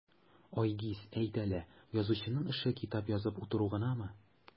Айгиз, әйт әле, язучының эше китап язып утыру гынамы?